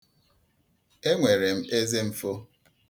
E nwere m ezemfo.